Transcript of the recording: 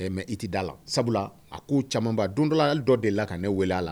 Ɛɛ mais i tɛ d'a la sabula a koo camanba don dɔla ali dɔ delila ka ne wele a la